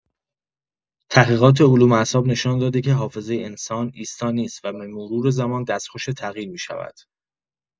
تحقیقات علوم اعصاب نشان داده که حافظۀ انسان ایستا نیست و به‌مرور زمان دستخوش تغییر می‌شود.